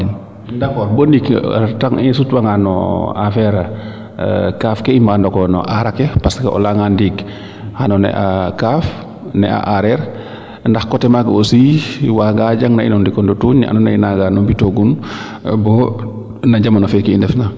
d' accord bo ndiik i sutwanga no affaire kaaf ke i ma ndokoyo no arake parce que o leya ngaa ndiing xano ne'a kaaf ne'a areer ndax coté maaga aussi waaga jang na in o ndiko ndutuñ ne ando naye naaga nu mbi togun bo no jamano feeke i ndefna